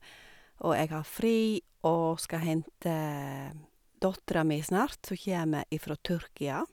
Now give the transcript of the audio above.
Og jeg har fri og skal hente dattera mi snart, som kjeme ifra Tyrkia.